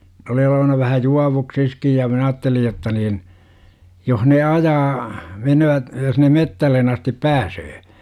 ne oli olevinaan vähän juovuksissa ja minä ajattelin jotta niin jos ne ajaa menevät jos ne metsään asti pääsee